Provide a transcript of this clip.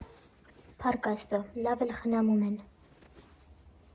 Փառք Աստծո, լավ էլ խնամում են։